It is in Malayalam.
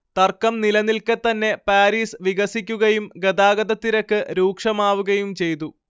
തർക്കം നിലനിൽക്കെത്തന്നെ പാരീസ് വികസിക്കുകയും ഗതാഗതത്തിരക്ക് രൂക്ഷമാവുകയും ചെയ്തു